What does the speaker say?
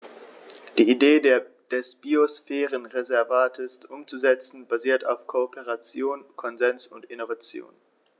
Die Idee des Biosphärenreservates umzusetzen, basiert auf Kooperation, Konsens und Innovation.